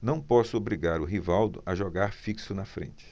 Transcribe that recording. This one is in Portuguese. não posso obrigar o rivaldo a jogar fixo na frente